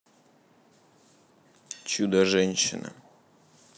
чудо женщина